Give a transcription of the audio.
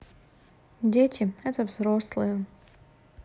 дети это взрослые